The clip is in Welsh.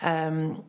Yym